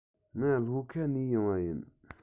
ང ལྷོ ཁ ནས ཡོང པ ཡིན